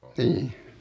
niin